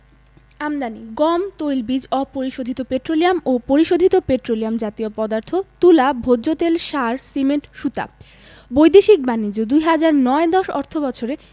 আমদানি গম তৈলবীজ অপরিশোধিত পেট্রোলিয়াম ও পরিশোধিত পেট্রোলিয়াম জাতীয় পদার্থ তুলা ভোজ্যতেল সার সিমেন্ট সুতা বৈদেশিক বাণিজ্য ২০০৯ ১০ অর্থবছরে